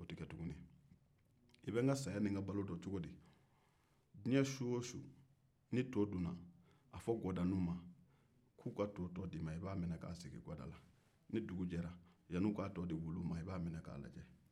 o tɛ kɛ tuguni i be n ka saya ni n ka balo don cogo di diɲɛ su o su ni to dunna a fɔ gadaninw k'u ka to tɔ d'i ma i b'a bila n ɲɛ yanni u k'a tɔ wuluw ma i b'a lajɛ ni dugu jɛra